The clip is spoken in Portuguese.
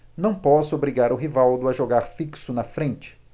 não posso obrigar o rivaldo a jogar fixo na frente